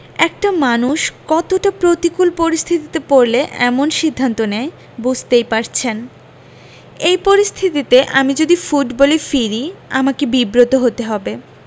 একটা মানুষ কতটা প্রতিকূল পরিস্থিতিতে পড়লে এমন সিদ্ধান্ত নেয় বুঝতেই পারছেন এই পরিস্থিতিতে আমি যদি ফুটবলে ফিরি আমাকে বিব্রত হতে হবে